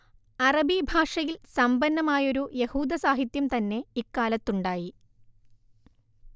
അറബി ഭാഷയിൽ സമ്പന്നമായൊരു യഹൂദസാഹിത്യം തന്നെ ഇക്കാലത്തുണ്ടായി